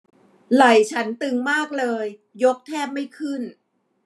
ไหล่ฉันตึงมากเลยยกแทบไม่ขึ้น